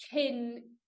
cyn